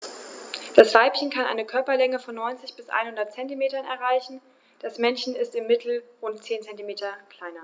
Das Weibchen kann eine Körperlänge von 90-100 cm erreichen; das Männchen ist im Mittel rund 10 cm kleiner.